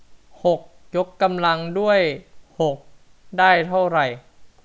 หกยกกำลังด้วยหกได้เท่าไหร่